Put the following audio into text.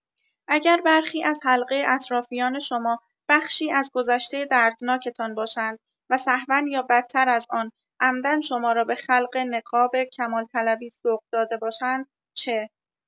اگر برخی از حلقه اطرافیان شما بخشی از گذشته دردناکتان باشند و سهوا یا بدتر از آن، عمدا شما را به خلق نقاب کمال‌طلبی سوق داده باشند چه؟